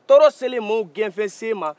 tɔɔrɔ selen maaw gɛnfɛnsen man